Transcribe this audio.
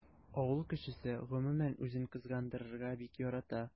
Авыл кешесе гомумән үзен кызгандырырга бик ярата.